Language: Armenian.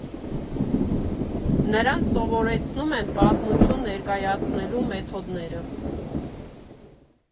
Նրանց սովորեցնում են պատմություն ներկայացնելու մեթոդները.